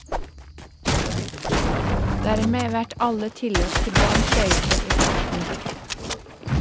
Dermed vert alle tilløp til brann køyvde i starten.